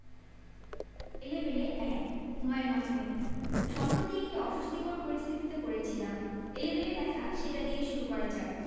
এলেবেলে ১ হুমায়ূন আহমেদ সম্প্রতি একটি অস্বস্তিকর পরিস্থিতিতে পড়েছিলাম এলেবেলে লেখা সেটা দিয়েই শুরু করা যাক